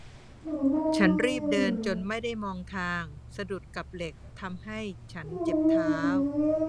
ฉันรีบเดินจนไม่ได้มองทางสะดุดกับเหล็กทำให้ฉันเจ็บเท้า